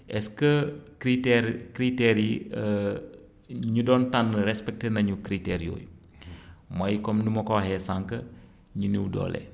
est ce que critères critères yi ñi doon tànn respecté nañu critères yooyu mooy comme ni ma ko waxee sànq ñi néew doole